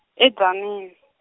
e- Tzaneen .